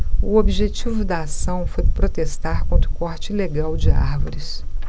o objetivo da ação foi protestar contra o corte ilegal de árvores